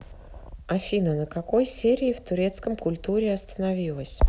афина на какой серии в турецком культуре остановилась